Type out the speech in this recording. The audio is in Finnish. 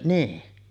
niin